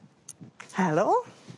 Helo.